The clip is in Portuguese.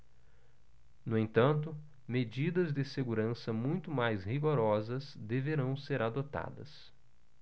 no entanto medidas de segurança muito mais rigorosas deverão ser adotadas